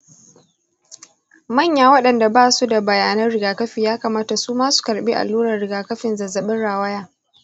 manya waɗanda ba su da bayanan rigakafi ya kamata su ma su karɓi allurar rigakafin zazzabin rawaya.